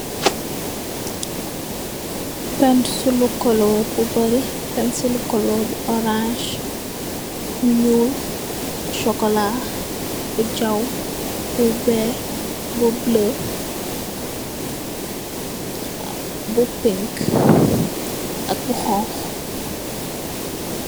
Fence si localu bu barri fence si lucalu bu orange, bu nglu, bu sokola, bu jaw, bu wey, bu bolo ak bu pink.